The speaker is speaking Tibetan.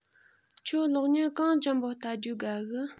ཁྱོད གློག བརྙན གང ཅན པོ བལྟ རྒྱུའོ དགའ གི